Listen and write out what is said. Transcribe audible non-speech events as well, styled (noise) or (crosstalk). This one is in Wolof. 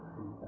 (hesitation)